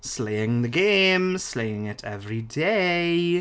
Slaying the game. Slaying it everyday.